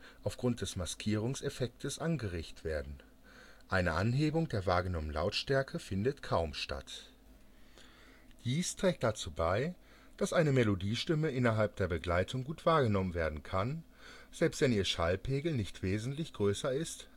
aufgrund des Maskierungseffekts angeregt werden. Eine Anhebung der wahrgenommenen Lautstärke findet kaum statt. Dies trägt dazu bei, dass eine Melodiestimme innerhalb der Begleitung gut wahrgenommen werden kann, selbst wenn ihr Schallpegel nicht wesentlich größer ist